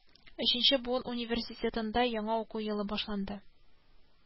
Өченче буын университетында яңа уку елы башланды